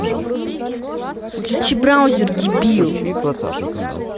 включи браузер дибил